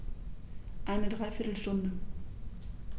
Eine dreiviertel Stunde